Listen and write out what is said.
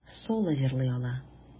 Соло җырлый ала.